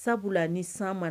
Sabula ni san ma